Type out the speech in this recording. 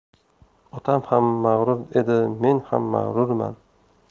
otam ham mag'rur edi men ham mag'rurman